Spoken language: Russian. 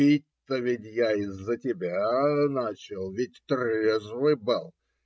Пить-то ведь я из-за тебя начал, ведь трезвый был!